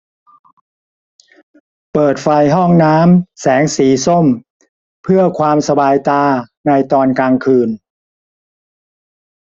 เปิดไฟห้องน้ำแสงสีส้มเพื่อความสบายตาในตอนกลางคืน